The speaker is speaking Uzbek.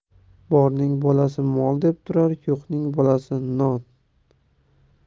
borning bolasi mol deb turar yo'qning bolasi non